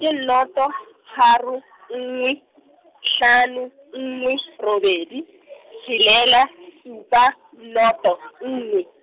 ke noto, tharo, nngwe, hlano, nngwe, robedi, tshelela, supa, noto, nngwe.